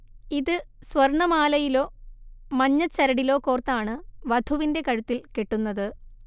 ഇത് സ്വർണമാലയിലോ മഞ്ഞച്ചരടിലോ കോർത്താണ് വധുവിന്റെ കഴുത്തിൽ കെട്ടുന്നത്